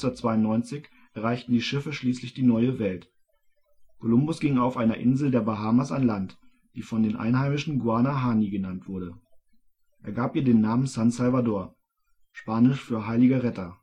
1492 erreichten die Schiffe schließlich die Neue Welt. Kolumbus ging auf einer Insel der Bahamas an Land, die von den Einheimischen Guanahani genannt wurde. Er gab ihr den Namen San Salvador (span. für Heiliger Retter